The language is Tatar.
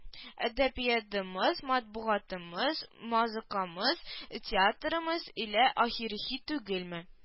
Әдәбиятымыз матбугатымыз мазыкамыз театрымыз илә ахириһи түгелме